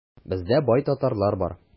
Бездә бай татарлар бар.